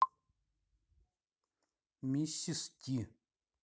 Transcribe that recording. миссис ти